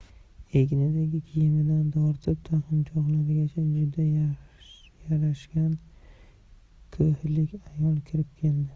egnidagi kiyimidan tortib taqinchoqlarigacha juda yarashgan ko'hlik ayol kirib keldi